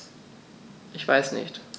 Ich weiß nicht.